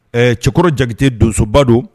Ɛ cɛkɔrɔ Jakite donsoba do.